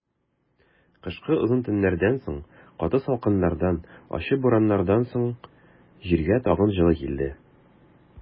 Кышкы озын төннәрдән соң, каты салкыннардан, ачы бураннардан соң җиргә тагын җылы килде.